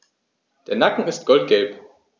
Der Nacken ist goldgelb.